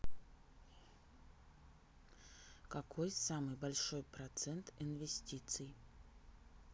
какой самый большой процент инвестиций